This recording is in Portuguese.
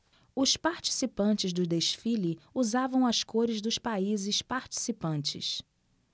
os participantes do desfile usavam as cores dos países participantes